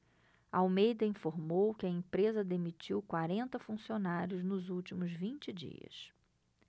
almeida informou que a empresa demitiu quarenta funcionários nos últimos vinte dias